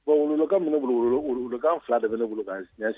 Bonkan minnukan fila de bɛkan